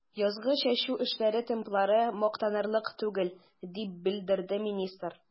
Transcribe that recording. Язгы чәчү эшләре темплары мактанырлык түгел, дип белдерде министр.